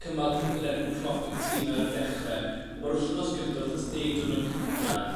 cymal c- yn erbyn y cloc i'r time ar y dechre on' ma'r wthnos gynta wthnos deg diwrnod cynta